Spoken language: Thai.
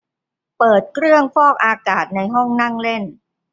เปิดเครื่องฟอกอากาศในห้องนั่งเล่น